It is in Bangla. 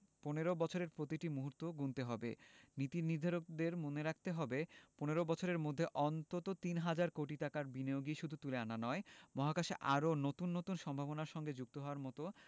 ১৫ বছরের প্রতিটি মুহূর্ত গুনতে হবে নীতিনির্ধারকদের মনে রাখতে হবে ১৫ বছরের মধ্যে অন্তত তিন হাজার কোটি টাকার বিনিয়োগই শুধু তুলে আনা নয় মহাকাশে আরও নতুন নতুন সম্ভাবনার সঙ্গে যুক্ত হওয়ার মতো